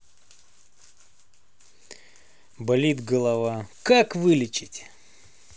болит голова как вылечить